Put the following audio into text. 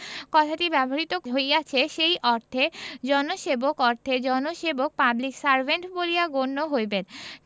কথাটি ব্যবহৃত হইয়াছে সেই অর্থে জনসেবক অর্থে জনসেবক পাবলিক সার্ভেন্ট বলিয়া গণ্য হইবেন